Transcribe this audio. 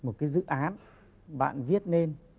một cái dự án bạn viết nên